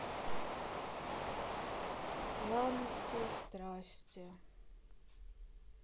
пряности и страсти